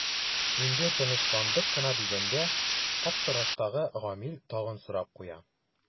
Инде тынычландык кына дигәндә аптыраштагы Гамил тагын сорап куя.